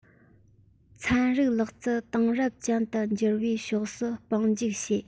ཚན རིག ལག རྩལ དེང རབས ཅན དུ འགྱུར བའི ཕྱོགས སུ དཔུང འཇུག བྱེད